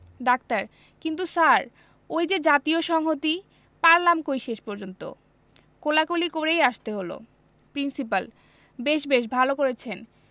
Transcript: doctor কিন্তু sir ওই যে জাতীয় সংহতি পারলাম কই শেষ পর্যন্ত কোলাকুলি করেই আসতে হলো প্রিন্সিপাল বেশ বেশ ভালো করেছেন